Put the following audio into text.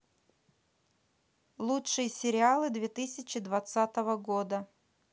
лучшие сериалы две тысячи двадцатого года